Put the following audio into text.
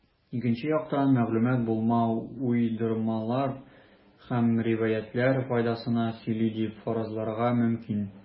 Икенче яктан, мәгълүмат булмау уйдырмалар һәм риваятьләр файдасына сөйли дип фаразларга мөмкин.